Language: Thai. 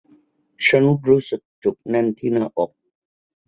ฉันรู้สึกจุกแน่นที่หน้าอก